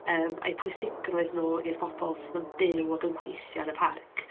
Yym a'u pwysigrwydd nhw i'r bobl sydd yn byw ac yn gweithio yn y parc.